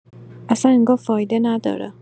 اصلا انگار فایده نداره